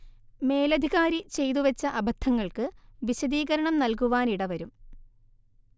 മേലധികാരി ചെയ്തു വെച്ച അബദ്ധങ്ങൾക്ക് വിശദീകരണം നൽകുവാനിടവരും